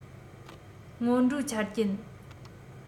སྔོན འགྲོའི ཆ རྐྱེན